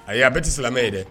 Ayi a bɛ tɛ silamɛmɛ ye dɛ